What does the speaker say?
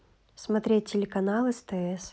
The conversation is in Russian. смотреть телеканал стс